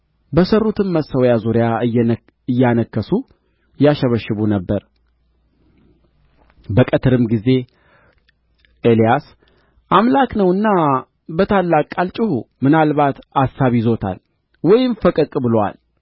በሠሩትም መሠዊያ ዙሪያ እያነከሱ ያሸበሽቡ ነበር በቀትርም ጊዜ ኤልያስ አምላክ ነውና በታላቅ ቃል ጩኹ ምናልባት አሳብ ይዞታል ወይም ፈቀቅ ብሎአል